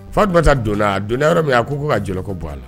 Fatumata donna a donna yɔrɔ min a ko ko ka jɔlɔkɔ bɔ a la.